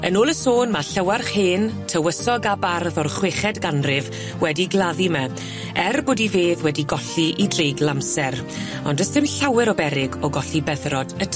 Yn ôl y sôn ma' Llywarch Hen tywysog a bardd o'r chweched ganrif wedi gladdu 'ma er bod 'i fedd wedi golli i dreigl amser ond do's dim llawer o beryg o golli beddrod y